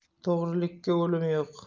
to'g'rilikka o'lim yo'q